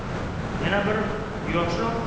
yana biri yoshroq